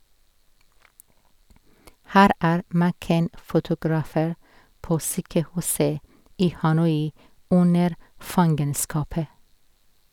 Her er McCain fotografert på sykehuset i Hanoi under fangenskapet.